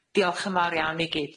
Diolch yn fawr iawn i gyd.